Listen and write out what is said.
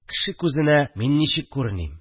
Кеше күзенә мин ничек күреним